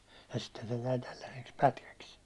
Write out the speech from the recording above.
ja sitten se jäi tällaiseksi pätkäksi